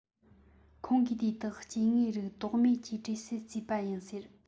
ཁོང གིས དེ དག སྐྱེ དངོས རིགས དོགས མེད ཀྱི གྲས སུ བརྩིས པ ཡིན ཟེར